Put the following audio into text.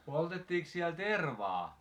poltettiinko siellä tervaa